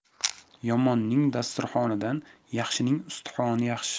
yomonning dasturxonidan yaxshining ustixoni yaxshi